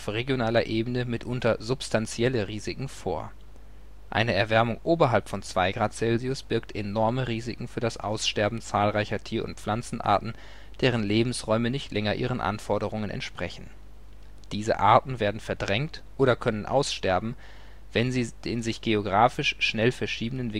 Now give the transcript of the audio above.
regionaler Ebene mitunter substanzielle Risiken vor. Eine Erwärmung oberhalb von 2 °C birgt enorme Risiken für das Aussterben zahlreicher Tier - und Pflanzenarten, deren Lebensräume nicht länger ihren Anforderungen entsprechen. Diese Arten werden verdrängt oder können aussterben, wenn sie den sich geografisch schnell verschiebenden